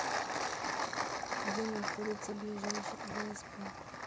где находится ближайшее всп